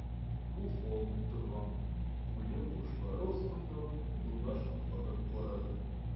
Ул салынып торган куе кашлары астыннан улына шатланып карады.